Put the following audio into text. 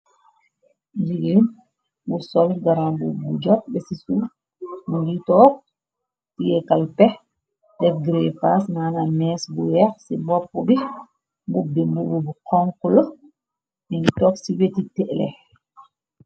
Liġeen bu sol garamb bu jot besisuf, mu ngiy toog tiyeekal pex, dev greypas nana mees bu weex ci bopp bi, mbubbi mbub bu xonxula, nin top ci weti tele.